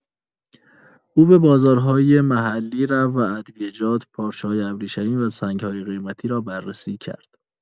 او به بازارهای محلی رفت و ادویه‌جات، پارچه‌های ابریشمی و سنگ‌های قیمتی را بررسی کرد.